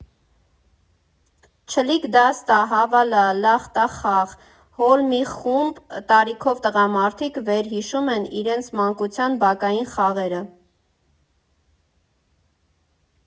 Չլիկ֊դաստա, հավալա, լախտախաղ, հոլ՝ մի խումբ տարիքով տղամարդիկ վերհիշում են իրենց մանկության բակային խաղերը։